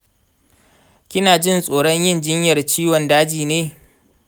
kinajin tsoron yin jinyar ciwon daji ne?